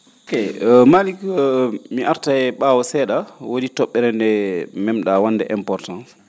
ok Maalik mi arta he ?aawo see?a woodii to??ere nde mem?aa wa?nde importance